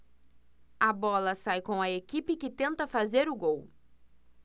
a bola sai com a equipe que tenta fazer o gol